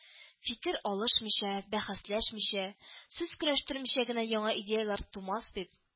Фикер алышмыйча, бәхәсләшмичә, сүз көрәштермичә генә яңа идеяләр тумас бит